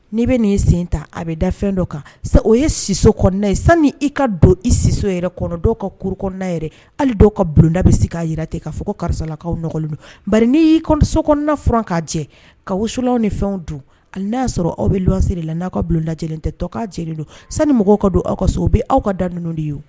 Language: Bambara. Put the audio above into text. N'i bɛ nin sen ta a bɛ da fɛn dɔ kan sa o ye siso kɔnɔnaɛ ye sanu i ka don i siso yɛrɛ dɔw ka kuruk yɛrɛ hali dɔw ka bulonda bɛ se k' jira ten kaa fɔ karisalakaw don' y iiso kɔnɔna f k'a jɛ ka wusulalaw ni fɛnw don a n'a yaa sɔrɔ aw bɛ siri de la n'aw ka bulonla lajɛlen tɛ to k' don sanu mɔgɔw ka don aw ka so bɛ aw ka da ninnu de ye